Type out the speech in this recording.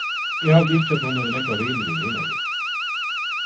eg haldi ikki at hon hevur nógvar vinir í runavík